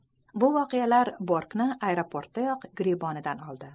bu voqealar borkni aeroportdayoq giribonidan oldi